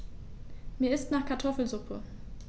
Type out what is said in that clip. Mir ist nach Kartoffelsuppe.